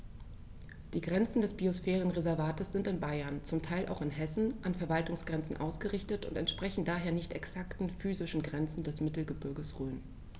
Die Grenzen des Biosphärenreservates sind in Bayern, zum Teil auch in Hessen, an Verwaltungsgrenzen ausgerichtet und entsprechen daher nicht exakten physischen Grenzen des Mittelgebirges Rhön.